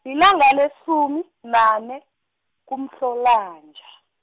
lilanga lesumi nane, kuMhlolonja.